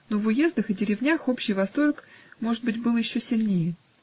Но в уездах и деревнях общий восторг, может быть, был еще сильнее.